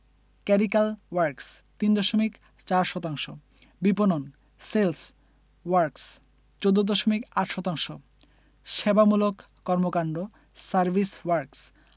clerical works ৩ দশমিক ৪ শতাংশ বিপণন সেলস ওয়ার্ক্স ১৪দশমিক ৮ শতাংশ সেবামূলক কর্মকান্ড সার্ভিস ওয়ার্ক্স